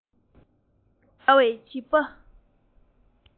རྗེས ལུས ཀྱི རྣམ པ